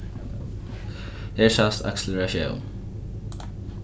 her sæst akseleratión